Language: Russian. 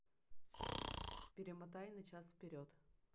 перемотай на час вперед